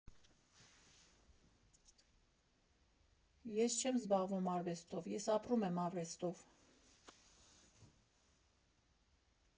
Ես չեմ զբաղվում արվեստով, ես ապրում եմ արվեստով։